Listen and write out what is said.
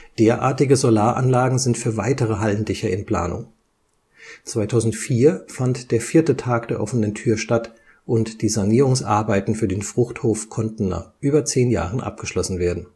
Derartige Solaranlagen sind für weitere Hallendächer in Planung. 2004 fand der vierte Tag der offenen Tür statt und die Sanierungsarbeiten für den Fruchthof konnten nach über zehn Jahren abgeschlossen werden